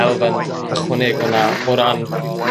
elfen ychwanegol 'na o ran